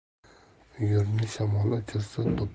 uyurni shamol uchirsa